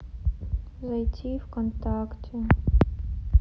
зайти вконтакте